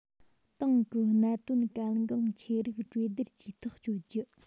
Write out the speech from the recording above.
ཏང གི གནད དོན གལ འགངས ཆེ རིགས གྲོས བསྡུར གྱིས ཐག གཅོད རྒྱུ